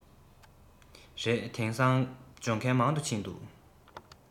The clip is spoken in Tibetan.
རེད དེང སང སྦྱོང མཁན མང དུ ཕྱིན ཡོད རེད